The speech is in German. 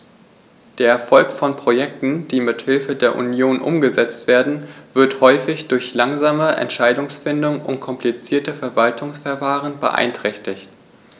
Der Erfolg von Projekten, die mit Hilfe der Union umgesetzt werden, wird häufig durch langsame Entscheidungsfindung und komplizierte Verwaltungsverfahren beeinträchtigt.